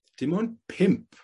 dim on' pump